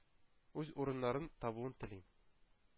Үз урыннарын табуын телим.